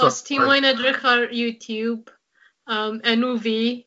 Os ti moyn edrych ar YouTube, yym enw fi,